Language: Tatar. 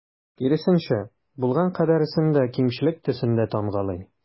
Киресенчә, булган кадәресен дә кимчелек төсендә тамгалый.